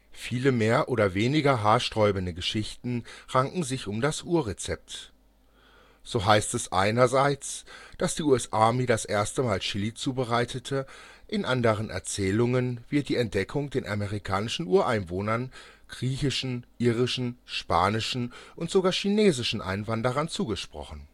Viele mehr oder weniger haarsträubende Geschichten ranken sich um das Urrezept. So heißt es einerseits, dass die US Army das erste Mal Chili zubereitete, in anderen Erzählungen wird die Entdeckung den amerikanischen Ureinwohnern, griechischen, irischen, spanischen und sogar chinesischen Einwanderern zugesprochen